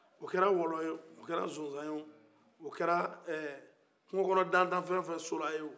o kɛra wɔlɔ ye o o kɛra sonzan ye o o kɛra ɛ kungonɔ dantan fɛn o fɛn o kɛra sola ye o